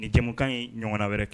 Ni cɛmankan in ɲɔgɔn wɛrɛ kɛ